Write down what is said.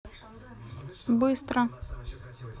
быстро